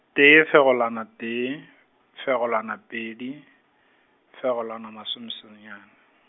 tee fegelwana tee, fegelwana pedi, fegelwana masome senyane.